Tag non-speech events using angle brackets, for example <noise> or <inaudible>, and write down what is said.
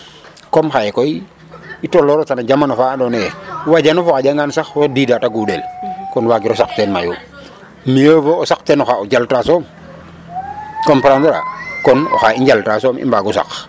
Comme xaye koy i tolooxata no jamano fa andoona ye wajanof o xaƴangan sax koo diidaa te guuɗel kon waagiro <crosstalk> saq teen mayu mieux o saq teen oxa o jalta soom <noise> comprendre a kon oxa i njalta soom i mbaagu saq.